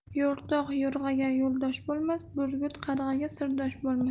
yo'rtoq yo'rg'aga yo'ldosh bo'lmas burgut qarg'aga sirdosh bo'lmas